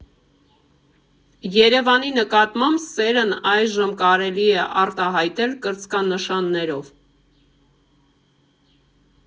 Երևանի նկատմամբ սերն այժմ կարելի է արտահայտել կրծքանշաններով.